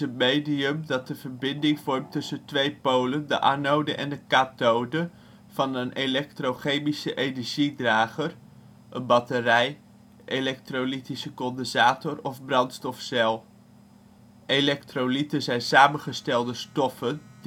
medium dat de verbinding vormt tussen de twee polen (anode en kathode) van een elektrochemische energiedrager (een batterij, elektrolytische condensator of brandstofcel). Elektrolyten zijn samengestelde stoffen